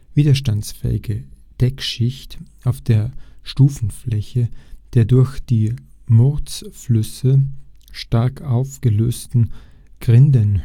Widerstandsfähigste Deckschicht auf der Stufenfläche der durch die Murgzuflüsse stark aufgelösten Grindenhöhen